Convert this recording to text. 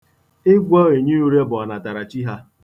Ịgwọ enyiure bụ ọnatarachi ha.